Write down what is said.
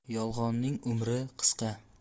yolg'onning umri qisqa